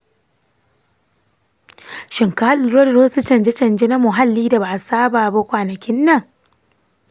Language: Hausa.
shin ka lura da wasu canje-canje na muhalli da ba a saba ba kwanan nan?